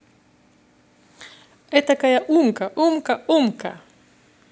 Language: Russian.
этакая умка умка умка